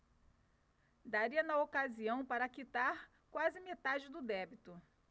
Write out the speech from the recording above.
daria na ocasião para quitar quase metade do débito